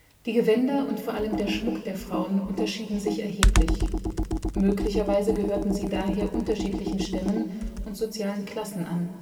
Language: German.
Die Gewänder und vor allem der Schmuck der Frauen unterschieden sich erheblich. Möglicherweise gehörten sie daher unterschiedlichen Stämmen und sozialen Klassen an